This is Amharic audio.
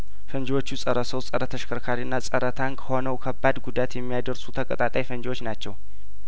ፈንጂዎቹ ጸረ ሰው ጸረ ተሽከርካሪና ጸረ ታንክ ሆነው ከባድ ጉዳት የሚያደርሱ ተቀጣጣይ ፈንጂዎች ናቸው